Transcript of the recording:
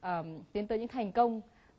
tiến tới những thành công